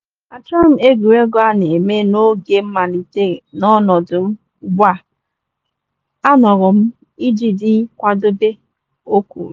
“Achọghị m egwuregwu a na-eme n’oge mmalite n’ọnọdụ m ugbu a n’ọrụ m, iji dị nkwadebe,” o kwuru.